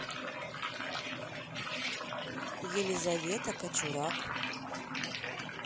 елизавета качурак